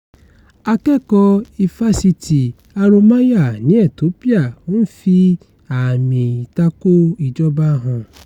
Akẹ́kọ̀ọ́ Ifásitì Haromaya ní Ethiopia ń fi àmì ìtako ìjọba hàn.